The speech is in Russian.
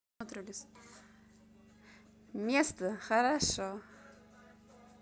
место хорошо